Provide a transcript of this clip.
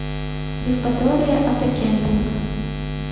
евпатория автокемпинг